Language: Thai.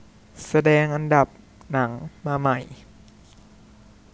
แสดงอันดับหนังมาใหม่